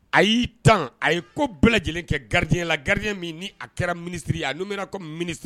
A y'i tan a ye ko bɛɛ lajɛlen kɛ garidijɛyala gari min ni a kɛra minisiriri a n'u bɛna ko minisiri